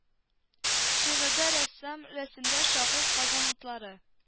Шигырьдә рәссам рәсемдә шагыйрь казан утлары